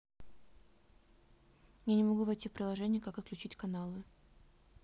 я не могу войти в приложение как отключить каналы